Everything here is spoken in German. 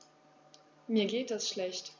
Mir geht es schlecht.